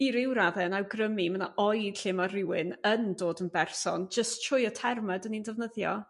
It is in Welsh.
i ryw radde'n awgrymu ma' 'na oed lle ma' rhywun yn dod yn berson jyst trwy y terma' dyn ni'n defnyddio.